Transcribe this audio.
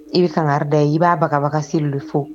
I be kangari d'a ye i b'a bababaga s'il le faut